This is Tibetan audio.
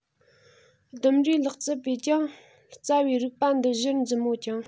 ལྡུམ རའི ལག རྩལ པས ཀྱང རྩ བའི རིགས པ འདི གཞིར འཛིན མོད ཀྱང